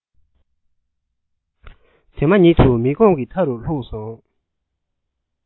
དེ མ ཉིད དུ མིག ཀོང གི མཐའ རུ ལྷུང སོང